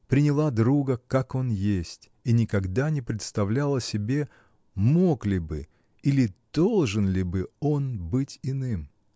приняла друга, как он есть, и никогда не представляла себе, мог ли бы или должен ли бы он быть иным?